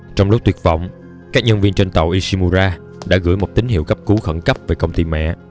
trong lúc tuyệt vọng các nhân viên trên tàu ishimura đã gửi một tín hiệu cấp cứu khẩn cấp về công ty mẹ